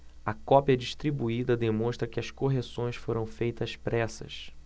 a cópia distribuída demonstra que as correções foram feitas às pressas